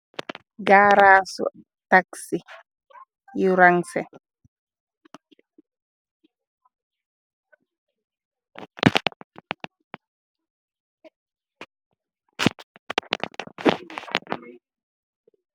Gaarasu taxi yu ranse.